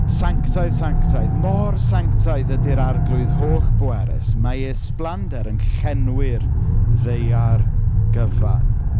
Sanctaidd. Sanctaidd. Mor sanctaidd ydy'r arglwydd holl-bwerus. Mae ei ysblander yn llenwi'r ddaear gyfan.